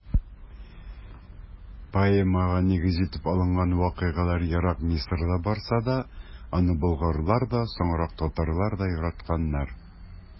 Поэмага нигез итеп алынган вакыйгалар ерак Мисырда барса да, аны болгарлар да, соңрак татарлар да яратканнар.